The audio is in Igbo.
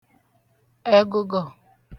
ẹ̀gụ̀gọ̀